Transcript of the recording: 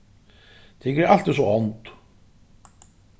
tykur eru altíð so ónd